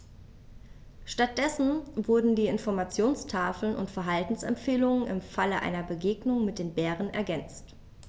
Stattdessen wurden die Informationstafeln um Verhaltensempfehlungen im Falle einer Begegnung mit dem Bären ergänzt.